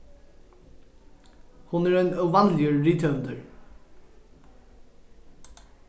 hon er ein óvanligur rithøvundur